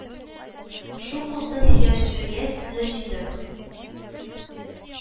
Шул хакта сөйләшергә сезне җыйдык